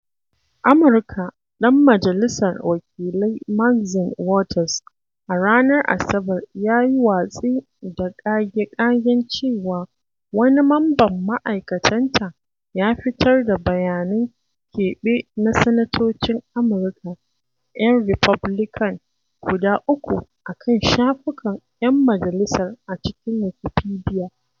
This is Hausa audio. Amurka Ɗan Majalisar Wakilai Maxine Waters a ranar Asabar ya yi watsi da ƙage-ƙagen cewa wani mamban ma'aikatanta ya fitar da bayanin keɓe na sanatocin Amurka 'yan Republican guda uku a kan shafukan 'yan majalisar a cikin Wikipedia.